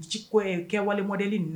Ji ko ɛ kɛwale mɔdele in na